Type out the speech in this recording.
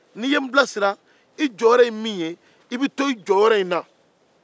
n'i n bilasir i bɛ to i jɔyɔrɔ in na